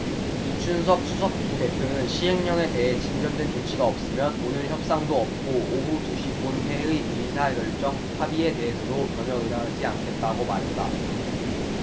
이춘석 수석부대표는 시행령에 대해 진전된 조치가 없으면 오늘 협상도 없고 오후 두 시 본회의 의사일정 합의에 대해서도 전혀 응하지 않겠다고 말했다